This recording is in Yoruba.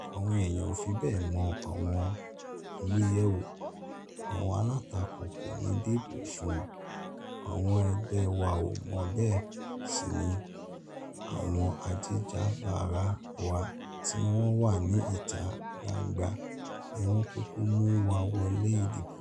Àwọn èèyàn ò fi bẹ́ẹ̀ mọ àwọn olùyẹ̀wò, àwọn alátakò kò ní dìbò fún un, àwọn ẹgbẹ́ wà ò mọ́ bẹ́ẹ̀ sì ni àwọn ajìjàgbara wa tí wọ́n wà ní ìta gbangba ní wọ́n kúkú mú wa wọlé ìdìbò.